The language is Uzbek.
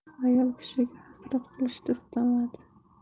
ayol kishiga hasrat qilishni istamadi